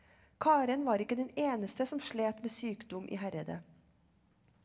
Karen var ikke den eneste som slet med sykdom i .